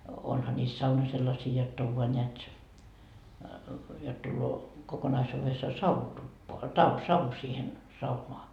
onhan niissä sauna sellaisia jotta on vain näet jotta tulee kokonaisuudessaan sauhu tupaan - savu siihen saunaan